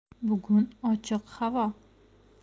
bugun ochiq havo